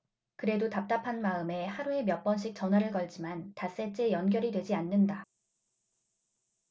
그래도 답답한 마음에 하루에 몇 번씩 전화를 걸지만 닷새째 연결이 되지 않는다